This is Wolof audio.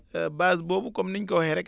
base boobu comme niñ ko waxee rek